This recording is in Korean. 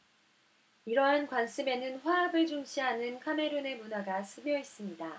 이러한 관습에는 화합을 중시하는 카메룬의 문화가 스며 있습니다